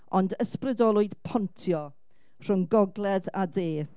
Ond ysbrydolwyd pontio rhwng Gogledd a De.